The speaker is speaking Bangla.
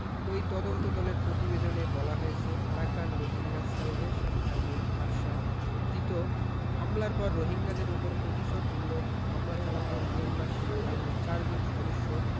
ওই তদন্তদলের পতিবেদনে বলা হয়েছে আরাকান রোহিঙ্গা স্যালভেশন আর্মির আরসা কথিত হামলার পর রোহিঙ্গাদের ওপর প্রতিশোধমূলক হামলা চালাতে মিয়ানমার সেনাবাহিনীর চারজন সদস্য